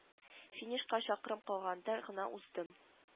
Финишка чакрым калганда гына уздым